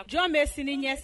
Jɔn bɛ sini ɲɛ